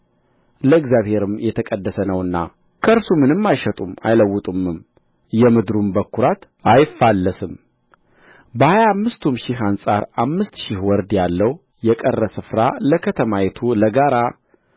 ለእግዚአብሔርም የተቀደሰ ነውና ከእርሱ ምንም አይሸጡም አይለውጡምም የምድሩም በኵራት አይፋለስም በሀያ አምስቱም ሺህ አንጻር አምስት ሺህ ወርድ ያለው የቀረ ስፍራ ለከተማይቱ ለጋራ